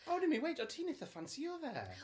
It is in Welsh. O'n i'n mynd i weud o ti'n eitha ffansïo fe.